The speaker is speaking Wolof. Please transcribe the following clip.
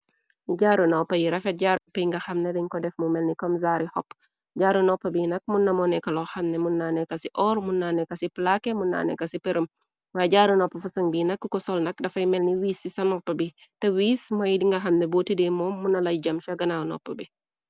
Jaaru noppa yi rafet jaar opp yi nga xamne deñ ko def mu melni komsary. Hopp jaaru nopp bi nak mun namoneka lo xamne mun naane ka ci or mun naanee ka ci plaaqe. Mun naanee ka ci përëm waaye jaaru nopp fësan bi nak ko sol nak dafay melni wiis ci sa nopp bi. Te wiis mooy di nga xamne booti dee moom mu na lay jam cha ganaaw nopp bi.